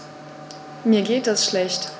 Mir geht es schlecht.